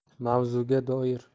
mavzuga doir